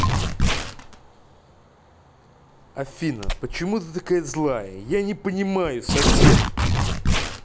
афина почему ты такая злая я не понимаю сосед